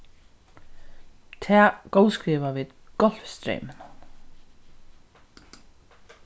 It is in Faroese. tað góðskriva vit golfstreyminum